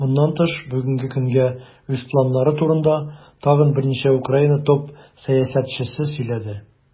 Моннан тыш, бүгенге көнгә үз планнары турында тагын берничә Украина топ-сәясәтчесе сөйләде.